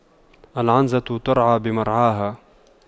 العنزة ترعى بمرعاها